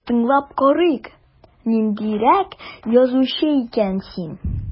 Тыңлап карыйк, ниндирәк язучы икән син...